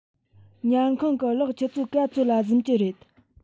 ཉལ ཁང གི གློག ཆུ ཚོད ག ཚོད ལ གཟིམ གྱི རེད